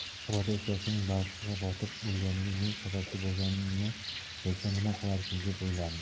quvada ukasining balchiqqa botib o'lganiga men sababchi bo'lganimni bilsa nima qilarkin deb o'ylandi